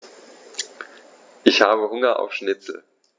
Ich habe Hunger auf Schnitzel.